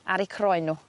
ar 'u croen n'w.